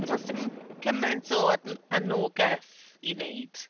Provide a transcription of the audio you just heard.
Tibod does dim cymaint o adn- annogaeth i wneud.